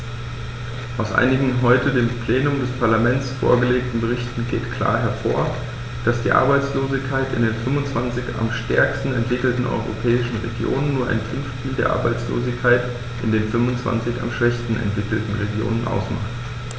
Aus einigen heute dem Plenum des Parlaments vorgelegten Berichten geht klar hervor, dass die Arbeitslosigkeit in den 25 am stärksten entwickelten europäischen Regionen nur ein Fünftel der Arbeitslosigkeit in den 25 am schwächsten entwickelten Regionen ausmacht.